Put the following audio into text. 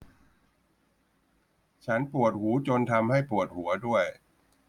ฉันปวดหูจนทำให้ปวดหัวด้วย